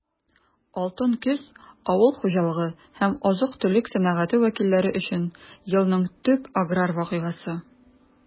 «алтын көз» - авыл хуҗалыгы һәм азык-төлек сәнәгате вәкилләре өчен елның төп аграр вакыйгасы.